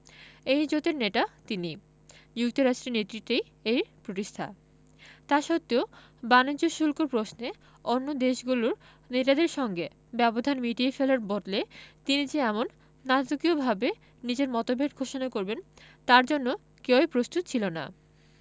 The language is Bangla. এই জোটের নেতা তিনি যুক্তরাষ্ট্রের নেতৃত্বেই এর প্রতিষ্ঠা তা সত্ত্বেও বাণিজ্য শুল্ক প্রশ্নে অন্য দেশগুলোর নেতাদের সঙ্গে ব্যবধান মিটিয়ে ফেলার বদলে তিনি যে এমন নাটকীয়ভাবে নিজের মতভেদ ঘোষণা করবেন তার জন্য কেউই প্রস্তুত ছিল না